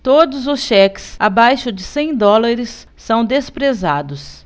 todos os cheques abaixo de cem dólares são desprezados